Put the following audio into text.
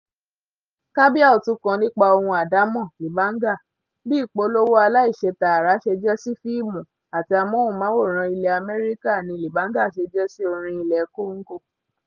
Cabiau tún kọ nípa ohun àdámọ̀ "libanga." Bí ìpolówó aláìṣetààrà ṣe jẹ́ sí fíìmù àti amóhùnmáwòrán ilẹ̀ America ni Libanga ṣe jẹ́ sí orin ilẹ̀ Congo.